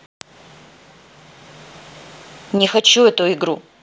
не хочу эту игру